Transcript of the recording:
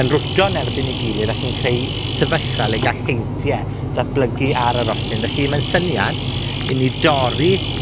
yn rwto'n erbyn ei gilydd ac yn creu sefyllfa le gall heintie ddatblygu ar y rosyn, felly mae'n syniad i ni dorri